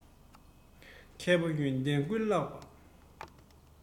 མཁས པ ཡོན ཏན ཀུན བསླབས པ